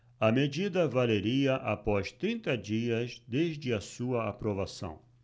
a medida valeria após trinta dias desde a sua aprovação